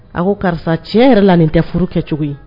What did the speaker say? A ko karisa cɛ yɛrɛ la nin tɛ furu kɛ cogo